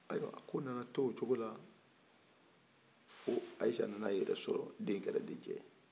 ayiwa a ko nana to o cogo la fo ayisa nana a yɛrɛ sɔrɔ den kɛra den cɛ ye